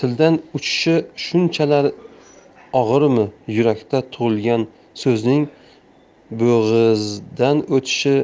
tildan uchishi shunchalar og'irmi yurakda tug'ilgan so'zning bo'g'izdan o'tishi